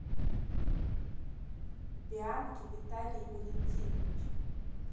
бианки виталий валентинович